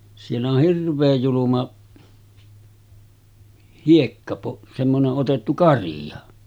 siellä on hirveän julma - semmoinen otettu karia